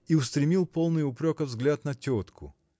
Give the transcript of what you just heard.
и устремил полный упрека взгляд на тетку.